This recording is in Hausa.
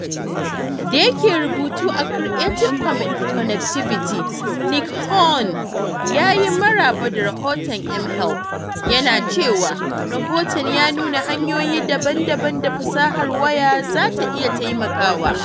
Da yake rubutu a Creative Connectivity, Nick Hunn yyi maraba da rahoton mHealth, yana cewa rahoton ya nuna hanyoyi daban-daban da fasahar waya za ta iya taimakawa.